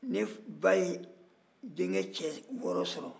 ne ba ye denkɛ cɛ wɔɔrɔ sɔrɔ